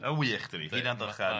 Mae'n wych, dydi, hunan-ddychan.